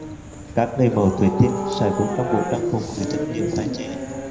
các người mẫu tuổi teen sải bước trong bộ trang phục từ chất liệu tái chế